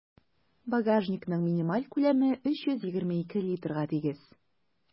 Багажникның минималь күләме 322 литрга тигез.